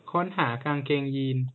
ค้นหากางเกงยีน